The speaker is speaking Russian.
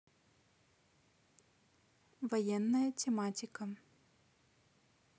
военная тематика